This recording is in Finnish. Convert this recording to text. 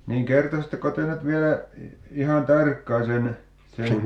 niin kertoisitteko te nyt vielä ihan tarkkaan sen sen